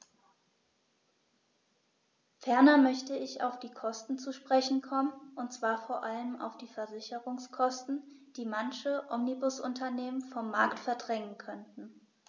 Ferner möchte ich auf die Kosten zu sprechen kommen, und zwar vor allem auf die Versicherungskosten, die manche Omnibusunternehmen vom Markt verdrängen könnten.